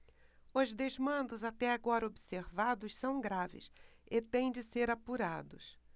os desmandos até agora observados são graves e têm de ser apurados